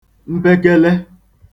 mpekele